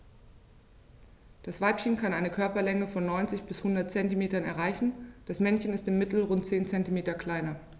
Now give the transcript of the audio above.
Das Weibchen kann eine Körperlänge von 90-100 cm erreichen; das Männchen ist im Mittel rund 10 cm kleiner.